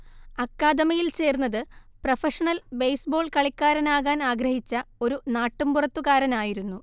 അക്കാദമിയിൽചേർന്നത് professional baseball കളിക്കാരനാകാൻ ആഗ്രഹിച്ച ഒരു നാട്ടുമ്പുറത്തുകാരനായിരുന്നു